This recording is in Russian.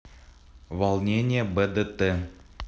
волнение бдт